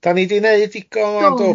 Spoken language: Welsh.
'Da ni di wneud digon do?